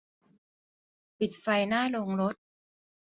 ปิดไฟหน้าโรงรถ